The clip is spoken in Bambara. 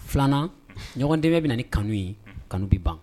Filanan ɲɔgɔn de bɛ bɛna na ni kanu ye kanu bɛ ban